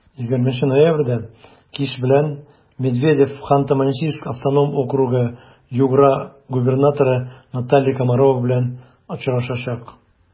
20 ноябрьдә кич белән медведев ханты-мансийск автоном округы-югра губернаторы наталья комарова белән очрашачак.